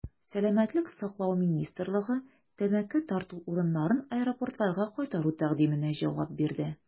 Сәламәтлек саклау министрлыгы тәмәке тарту урыннарын аэропортларга кайтару тәкъдименә җавап бирде.